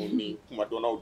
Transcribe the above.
Kuma dɔnw la